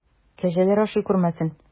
Кәҗәләр ашый күрмәсен!